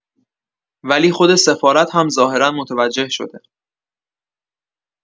ولی خود سفارت هم ظاهرا متوجه شده.